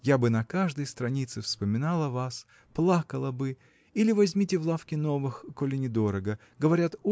я бы на каждой странице вспоминала вас плакала бы или возьмите в лавке новых коли недорого. Говорят